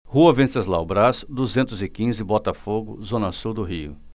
rua venceslau braz duzentos e quinze botafogo zona sul do rio